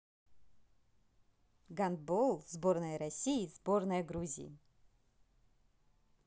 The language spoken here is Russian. гандбол сборная россии сборная грузии